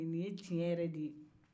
nin ye tiɲɛ yɛrɛ de ye